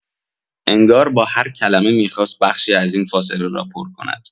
انگار با هر کلمه، می‌خواست بخشی از این فاصله را پر کند.